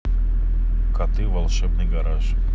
коты волшебный гараж